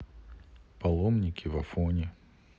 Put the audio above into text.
паломники в афоне